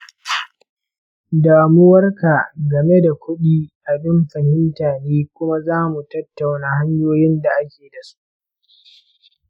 damuwarka game da kuɗin abin fahimta ne kuma za mu tattauna hanyoyin da ake da su.